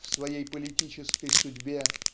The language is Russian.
в своей политической судьбе